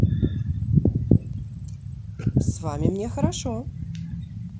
с вами мне хорошо